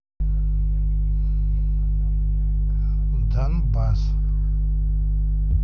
донбасс